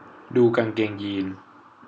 ดูกางเกงยีนส์